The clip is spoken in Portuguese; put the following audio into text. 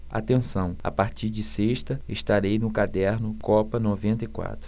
atenção a partir de sexta estarei no caderno copa noventa e quatro